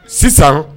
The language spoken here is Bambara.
Sisan